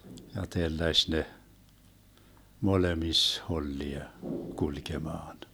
ja telläsi ne molemmissa hollia kulkemaan